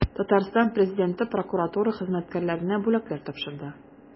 Татарстан Президенты прокуратура хезмәткәрләренә бүләкләр тапшырды.